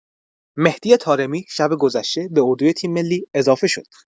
مهدی طارمی شب گذشته به اردوی تیم‌ملی اضافه شد.